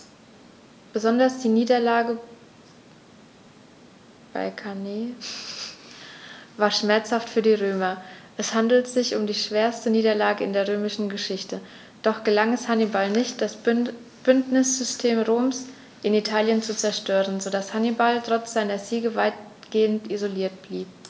Besonders die Niederlage bei Cannae war schmerzhaft für die Römer: Es handelte sich um die schwerste Niederlage in der römischen Geschichte, doch gelang es Hannibal nicht, das Bündnissystem Roms in Italien zu zerstören, sodass Hannibal trotz seiner Siege weitgehend isoliert blieb.